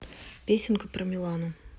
песенка про милану